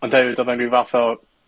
ond hefyd odd raid mi fath o